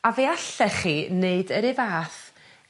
a fe allech chi neud yr u' fath